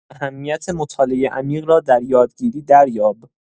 اهمیت مطالعه عمیق را در یادگیری دریاب.